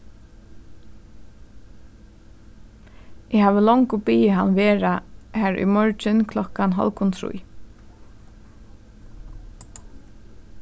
eg havi longu biðið hann vera har í morgin klokkan hálvgum trý